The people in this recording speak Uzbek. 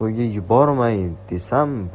to'yga yubormay desam